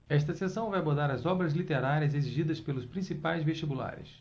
esta seção vai abordar as obras literárias exigidas pelos principais vestibulares